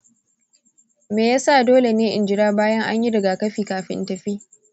me ya sa dole ne in jira bayan an yi rigakafi kafin in tafi?